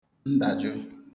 ǹdàjụ̀